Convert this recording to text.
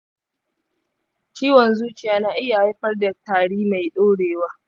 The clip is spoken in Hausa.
ciwon zuciya na iya haifar da tari mai ɗorewa?